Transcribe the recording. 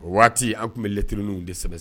O waati an tun bɛlɛteliiniw desɛbɛ